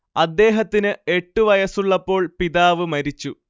അദ്ദേഹത്തിന്‌ എട്ടു വയസ്സുള്ളപ്പോൾ പിതാവ് മരിച്ചു